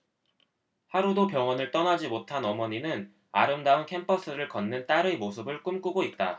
하루도 병원을 떠나지 못한 어머니는 아름다운 캠퍼스를 걷는 딸의 모습을 꿈꾸고 있다